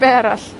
Be arall?